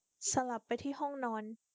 สลับไปที่ห้องนอน